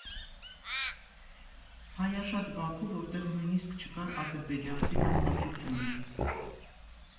«հայաշատ Բաքու, որտեղ նույնիսկ չկար «ադրբեջանցի» հասկացությունը»։